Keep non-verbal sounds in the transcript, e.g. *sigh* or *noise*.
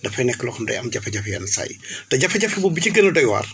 dafay nekk loo xam ne day am jafe-jafe yenn saa yi *breath* te jafe-jafe boobu bi ci gën a doy waar